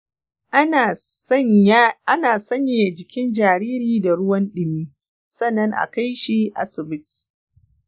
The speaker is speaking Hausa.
a sanyaya jikin jaririn da ruwan dumi, sannan a kai shi asibiti.